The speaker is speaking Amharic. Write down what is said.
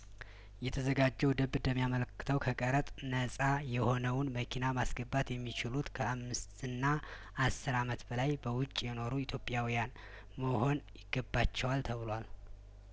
የተዘጋጀው ደንብ እንደሚያመለክተው ከቀረጥ ነጻ የሆነውን መኪና ማስገባት የሚችሉት ከአምስት እና አስር አመት በላይ በውጭ የኖሩ ኢትዮጵያዊያን መሆን ይገባቸዋል ተብሏል